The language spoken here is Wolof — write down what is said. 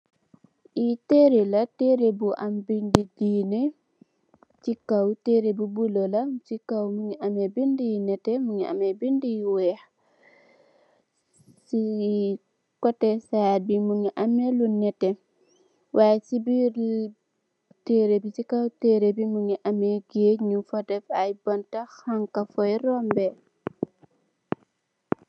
Li tere la tere bu am bindi dinee si kaw tere bu bulu la si kawam mogi ame binda yu nete mongi am binda yu weex si kote side bi mongi ame lu neteh yai is birr tere bi si kaw tere bi mongi ame keyt nyun fa tef ay banta xanxa foi rombe.